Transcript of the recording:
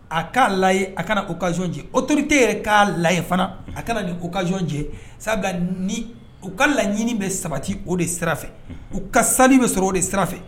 A kaa layi a kana o ka cɛ otote yɛrɛ k'a layi fana a kana nin' kaz cɛ sabu ni u ka laɲini bɛ sabati o de sira u ka sanuni bɛ sɔrɔ o de sira fɛ